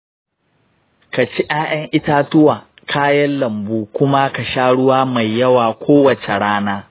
ka ci ’ya’yan itatuwa, kayan lambu, kuma ka sha ruwa mai yawa kowace rana.